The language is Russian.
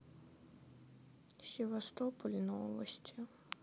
севастополь новости